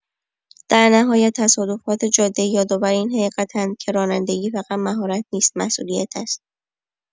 در نهایت، تصادفات جاده‌ای یادآور این حقیقت‌اند که رانندگی فقط مهارت نیست، مسئولیت است.